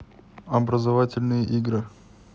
образовательные игры